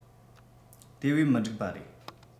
དེ བས མི འགྲིག པ རེད